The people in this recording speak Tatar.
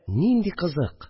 Нинди кызык